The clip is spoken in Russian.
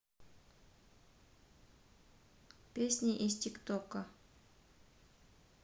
песни из тиктока